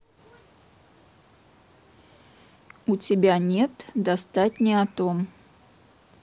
у тебя нет достать не о том